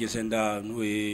Geseda n'o ye